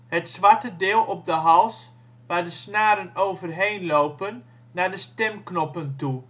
het zwarte deel op de hals waar de snaren overheen lopen naar de stemknoppen toe